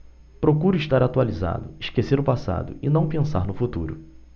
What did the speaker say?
procuro estar atualizado esquecer o passado e não pensar no futuro